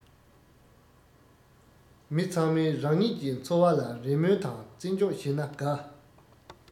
མི ཚང མས རང ཉིད ཀྱེ འཚོ བ ལ རེ སྨོན དང རྩེ རྗོག བྱེད ན དགའ